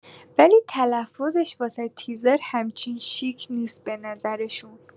ولی تلفظش واسه تیزر همچین شیک نیست به نظرشون.